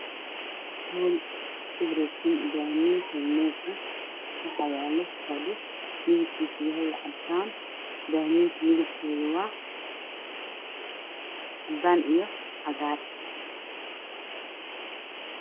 Meel ku wareegsan daahyo kala nooc ah cadan iyo cagaar ah